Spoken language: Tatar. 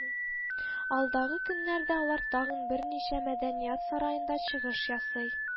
Алдагы көннәрдә алар тагын берничә мәдәният сараенда чыгыш ясый